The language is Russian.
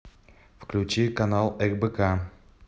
включи канал рбк